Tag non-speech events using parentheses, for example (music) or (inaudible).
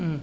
(hesitation) (hesitation)